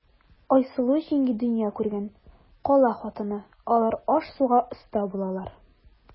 Айсылу җиңги дөнья күргән, кала хатыны, алар аш-суга оста булалар.